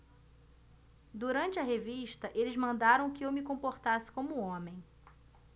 durante a revista eles mandaram que eu me comportasse como homem